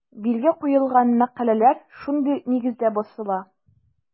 Билге куелган мәкаләләр шундый нигездә басыла.